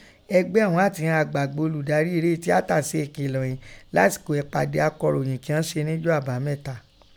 Ẹgbẹ́ ọ̀ún àtìghọn àgbààgbà ọludari iré tiata se ẹ̀kilọ ìín lasiko ẹ̀pade akọ̀ròyìn kíghọ́n se níjọ Abamẹta.